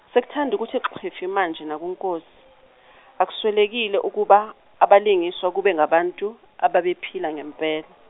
sekuthandu kuthi xhifi manje naku Nkosi, akusolekile ukuba, abalingiswa kube ngabantu, ababephila ngempela.